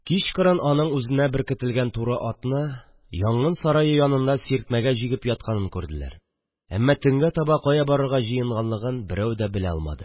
Кичкырын аның үзенә беркетелгән туры атны янгын сарае янында сиртмәгә җигеп ятканын күрделәр, әммә төнгә таба кая барырга җыенганлыгын берәү дә белә алмады